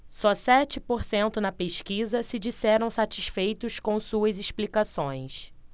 só sete por cento na pesquisa se disseram satisfeitos com suas explicações